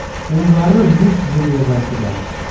Уллары Люкс дөньяга килә.